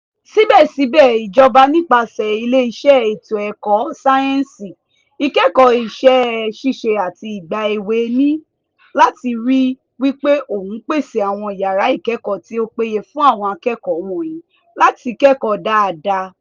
Síbẹ̀síbẹ̀, ìjọba nípasẹ̀ Ilé Iṣẹ́ Ètò Ẹ̀kọ́, Sáyẹ́ǹsì, Ìkẹ́kọ̀ọ́ Iṣẹ́-ṣíṣe àti Ìgbà Èwe ní láti ríi wípé òun pèsè àwọn yàrá ìkẹ́kọ̀ọ́ tí ó péye fún àwọn akẹ́kọ̀ọ́ wọ̀nyí láti kẹ́kọ̀ọ́ dáadáa.